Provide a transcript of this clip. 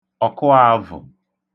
ọ̀kụāvụ̀